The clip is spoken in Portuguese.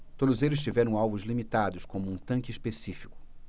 todos eles tiveram alvos limitados como um tanque específico